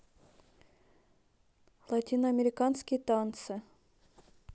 латиноамериканские танцы